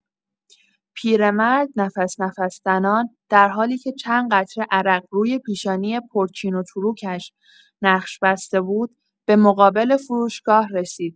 پیرمرد نفس‌نفس‌زنان، درحالی‌که چند قطره عرق روی پیشانی پرچین‌وچروکش نقش بسته بود، به مقابل فروشگاه رسید.